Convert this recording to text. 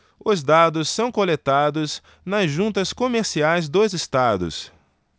os dados são coletados nas juntas comerciais dos estados